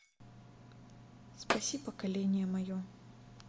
спаси поколение мое